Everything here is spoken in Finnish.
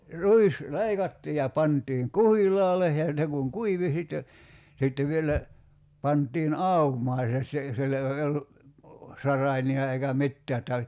ruis leikattiin ja pantiin kuhilaalle ja ne kun kuivui sitten sitten vielä pantiin aumaan se - silloin ei ollut saraimia eikä mitään että